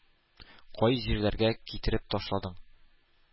Кай җирләргә китреп ташладың.